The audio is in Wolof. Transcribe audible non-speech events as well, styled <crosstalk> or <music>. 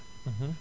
<hesitation> <hesitation>